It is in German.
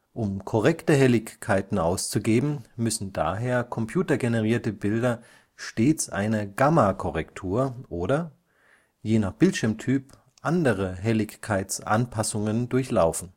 Um korrekte Helligkeiten auszugeben, müssen daher computergenerierte Bilder stets eine Gammakorrektur oder – je nach Bildschirmtyp – andere Helligkeitsanpassungen durchlaufen